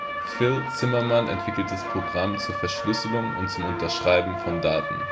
Phil Zimmermann entwickeltes Programm zur Verschlüsselung und zum Unterschreiben von Daten